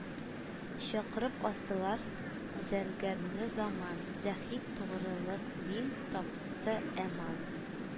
Чыкарып астылар Зәргәрне заман, Заһид тугрылыкдин тапты әман